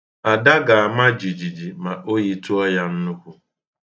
Ada ga-ama jijiji ma oyi tụọ ya nnukwu.